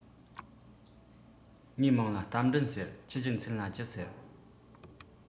ངའི མིང ལ རྟ མགྲིན ཟེར ཁྱེད ཀྱི མཚན ལ ཅི ཟེར